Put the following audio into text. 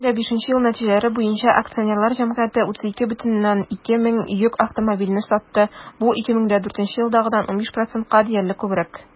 2005 ел нәтиҗәләре буенча акционерлар җәмгыяте 32,2 мең йөк автомобиле сатты, бу 2004 елдагыдан 15 %-ка диярлек күбрәк.